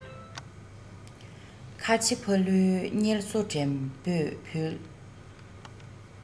ཁ ཆེ ཕ ལུའི བསྙེལ གསོ དྲན པོས ཕུལ